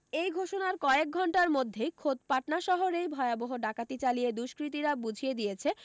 এই ঘোষণার কয়েক ঘন্টার মধ্যেই খোদ পাটনা শহরেই ভয়াবহ ডাকাতি চালিয়ে দুষ্কৃতীরা বুঝিয়ে দিয়েছে